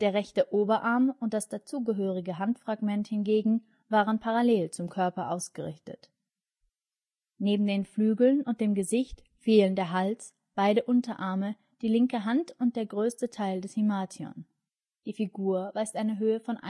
rechte Oberarm und das dazugehörige Handfragment hingegen waren parallel zum Körper ausgerichtet. Neben den Flügeln und dem Gesicht, fehlen der Hals, beide Unterarme, die linke Hand und der größte Teil des himation. Die Figur weist eine Höhe von